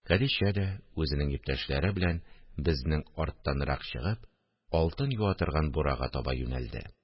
Хәдичә дә үзенең иптәшләре белән безнең арттанрак чыгып, алтын юа торган бурага таба юнәлде